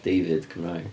David Cymraeg.